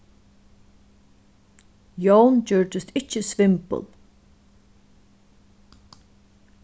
jón gjørdist ikki svimbul